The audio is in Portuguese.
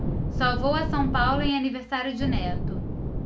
só vou a são paulo em aniversário de neto